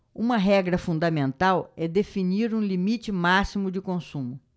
uma regra fundamental é definir um limite máximo de consumo